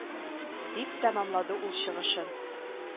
Дип тәмамлады ул чыгышын